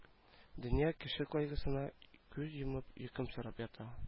Дөнья кеше кайгысына күз йомып йокымсырап ята